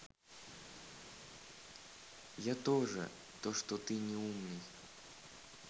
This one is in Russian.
я тоже то что ты неумный